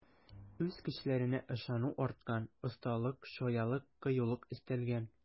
Үз көчләренә ышану арткан, осталык, чаялык, кыюлык өстәлгән.